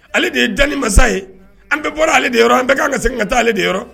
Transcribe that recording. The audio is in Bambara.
Ale de ye ja ni masa ye an bɛɛ bɔra ale de yɔrɔ an bɛ kan ka segin ka taa ale de yɔrɔ